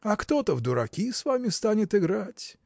А кто-то в дураки с вами станет играть?